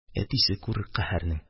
Әтисе күрер каһәрнең.